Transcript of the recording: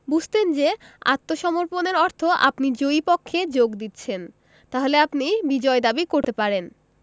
বুঝতেন যে আত্মসমর্পণের অর্থ আপনি জয়ী পক্ষে যোগ দিচ্ছেন তাহলে আপনি বিজয় দাবি করতে পারেন